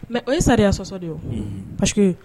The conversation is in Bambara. Mɛ o ye sariya sɔsɔ de ye basi